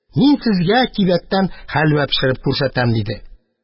Мин сезгә кибәктән хәлвә пешереп күрсәтим, – диде.